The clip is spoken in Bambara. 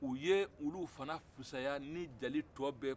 u y'olu fɛnɛ kusaya ni jeli tɔ bɛɛ ye